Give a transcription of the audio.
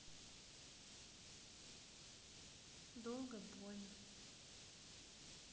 долго больно